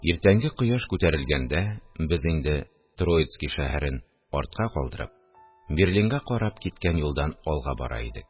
Иртәнге кояш күтәрелгәндә, без инде Троицки шәһәрен артка калдырып, Берлинга карап киткән юлдан алга бара идек